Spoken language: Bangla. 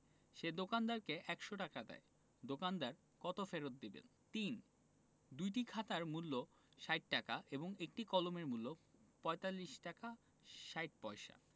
সে দোকানদারকে ১০০ টাকা দেয় দোকানদার কত ফেরত দেবেন ৩ দুইটি খাতার মূল্য ৬০ টাকা এবং একটি কলমের মূল্য ৪৫ টাকা ৬০ পয়সা